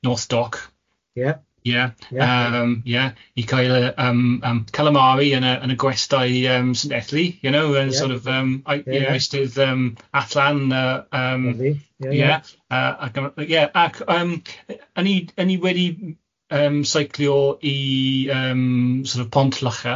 North Dock... Ie. ...ie yym ie i cael y yym yym calamari yn y yn y gwestai yym Snellu you know yn sort of yym... Ie ie. ...ystydd yym allan yym ynddi ie ac yym ie ac yym y- o'n i o'n i wedi yym seiclio i yym sort of Pont-lycha.